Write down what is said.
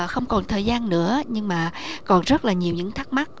không còn thời gian nữa nhưng mà còn rất là nhiều những thắc mắc